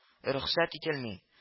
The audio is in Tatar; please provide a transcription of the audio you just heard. Рөхсәт ителми